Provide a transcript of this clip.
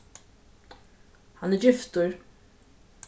hann er giftur